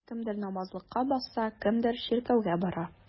Кемдер намазлыкка басса, кемдер чиркәүгә бара.